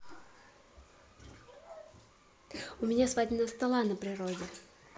у меня свадебного стола на природе